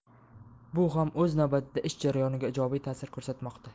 bu ham o'z navbatida ish jarayoniga ijobiy ta'sir ko'rsatmoqda